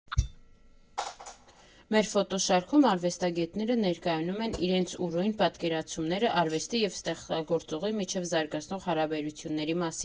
Մեր ֆոտոշարքում արվեստագետները ներկայացնում են իրենց ուրույն պատկերացումները արվեստի և ստեղծագործողի միջև զարգացող հարաբերությունների մասին։